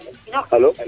alo